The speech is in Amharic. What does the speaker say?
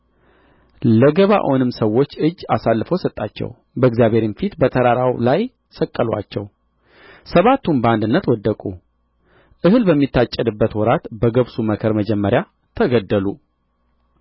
ለገባዖንም ሰዎች እጅ አሳልፎ ሰጣቸው በእግዚአብሔርም ፊት በተራራው ላይ ሰቀሉአቸው ሰባቱም በአንድነት ወደቁ እህል በሚታጨድበት ወራት በገብሱ መከር መጀመሪያ ተገደሉ